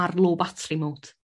ar low batri mode.